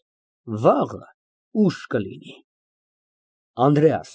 Այժմ ամեն ինչ կախված է Օթարյանի կամքից։ ԲԱԳՐԱՏ ֊ Նա կկամենա թե անպատվել և թե սնանկացնել մեզ։